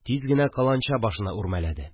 Тиз генә каланча башына үрмәләде